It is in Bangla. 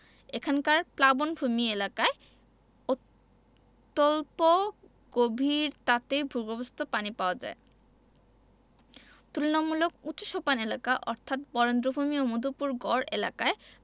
এখানকার প্লাবনভূমি এলাকায় অত্যল্প গভীরতাতেই ভূগর্ভস্থ পানি পাওয়া যায় তুলনামূলক উঁচু সোপান এলাকা অর্থাৎ বরেন্দ্রভূমি ও মধুপুরগড় এলাকায়